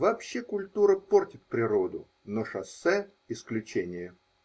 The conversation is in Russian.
Вообще культура портит природу, но шоссе -- исключение.